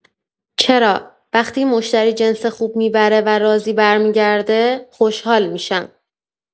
چرا، وقتی مشتری جنس خوب می‌بره و راضی برمی‌گرده، خوشحال می‌شم.